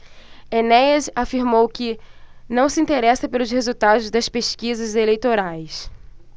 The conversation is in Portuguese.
enéas afirmou que não se interessa pelos resultados das pesquisas eleitorais